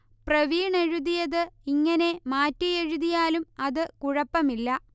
പ്രവീൺ എഴുതിയത് ഇങ്ങനെ മാറ്റി എഴുതിയാലും അത് കുഴപ്പമില്ല